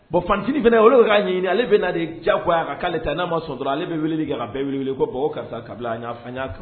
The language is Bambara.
Bon fant fana olu de bɛ k'a ɲini ale bɛna na de diyaya kan k'ale ta n'a ma sontura ale bɛ wele ga bɛɛ wuli ko bɔn karisa kabila a'a'a kan